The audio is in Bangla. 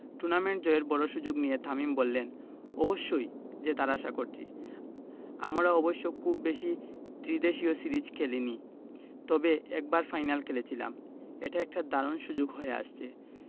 টুর্নামেন্ট জয়ের বড় সুযোগ নিয়ে তামিম বললেন অবশ্যই জেতার আশা করছি আমরা অবশ্য খুব বেশি ত্রিদেশীয় সিরিজ খেলেনি তবে একবার ফাইনাল খেলেছিলাম এটা একটা দারুণ সুযোগ হয়ে আসছে